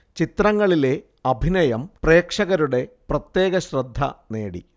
ചിത്രങ്ങളിലെ അഭിനയം പ്രേക്ഷകരുടെ പ്രത്യേക ശ്രദ്ധ നേടി